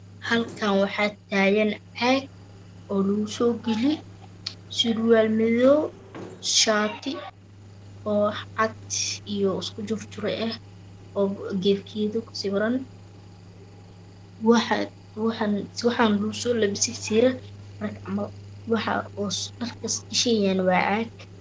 Halkaan waxaa tagan caag oo lgu soo galiye surwaal mado iyo shaati wax cad oo isku jirjira ah geedageeda ku sawiran waxaana lgu soo lapisay sida rag camal waxa dharkaaz gishana waa caag